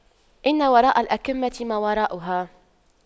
إن وراء الأَكَمةِ ما وراءها